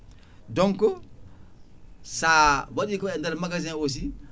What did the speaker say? donc sa nawi waɗi koye nder magasin o aussi